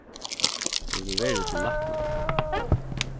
hevur tú verið til lækna